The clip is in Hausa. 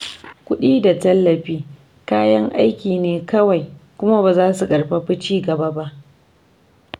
Kuɗi da tallafi kayan aiki ne kawai kuma ba za su ƙarfafi ci-gaba ba.